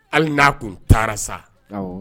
Hali n'a kun taara sa